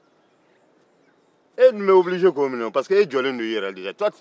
e dun bɛ obilize k'o minɛ o pariseke e jɔnnen don i yɛrɛ la